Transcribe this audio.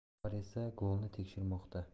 var esa golni tekshirmoqda